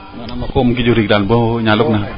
manaam a koom gijo riig raan bo ñaal ne xaye